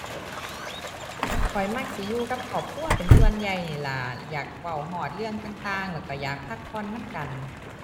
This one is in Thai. ข้อยมักสิอยู่กับครอบครัวเป็นส่วนใหญ่นี่ล่ะ อยากเว้าฮอดเรื่องต่างต่าง แล้วก็อยากพักผ่อนนำกัน